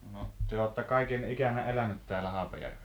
no te olette kaiken ikänne elänyt täällä Haapajärvellä